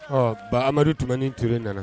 Ɔ ba amadu tɛmɛnin tile nana